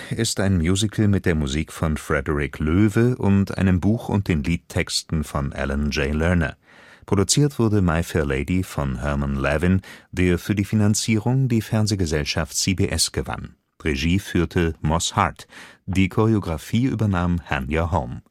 ist ein Musical mit der Musik von Frederick Loewe und einem Buch und den Liedtexten von Alan J. Lerner. Produziert wurde My Fair Lady von Herman Levin, der für die Finanzierung die Fernsehgesellschaft CBS gewann, Regie führte Moss Hart, die Choreographie übernahm Hanya Holm